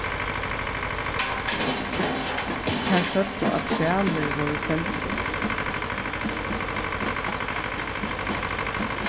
tær søgdu at trælir vóru seldir her